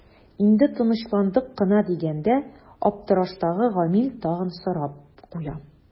Инде тынычландык кына дигәндә аптыраштагы Гамил тагын сорап куя.